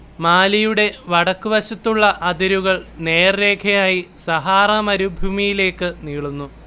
മാലിയുടെ വടക്കുവശത്തുള്ള അതിരുകൾ നേർരേഖയായി സഹാറാ മരുഭൂമിയിലേക്ക് നീളുന്നു